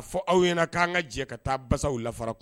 Fɔ aw ɲɛna k'an ka jɛ ka taa basaw la fara kɔnɔ